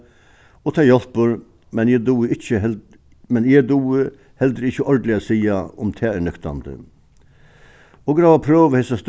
og tað hjálpir men eg dugi ikki men eg dugi heldur ikki ordiliga at siga um tað er nøktandi okur hava prøvað hesa